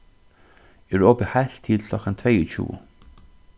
er opið heilt til klokkan tveyogtjúgu